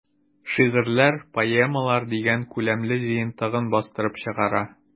"шигырьләр, поэмалар” дигән күләмле җыентыгын бастырып чыгара.